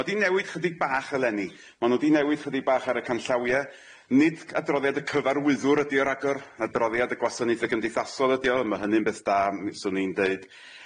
Ma' 'di newid chydig bach eleni ma' nw 'di newid chydig bach ar y canllawie, nid adroddiad y cyfarwyddwr ydi o ragor adroddiad y gwasanaethe cymdeithasol ydi o ma' hynny'n beth da 'swn i'n deud.